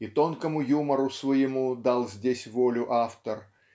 И тонкому юмору своему дал здесь волю автор